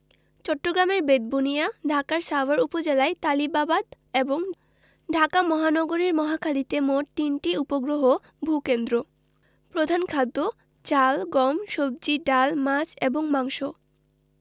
চট্টগ্রামের বেতবুনিয়া ঢাকার সাভার উপজেলায় তালিবাবাদ এবং ঢাকা মহানগরীর মহাখালীতে মোট তিনটি উপগ্রহ ভূ কেন্দ্র প্রধান খাদ্যঃ চাল গম সবজি ডাল মাছ এবং মাংস